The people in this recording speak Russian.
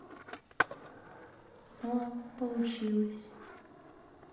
о получилось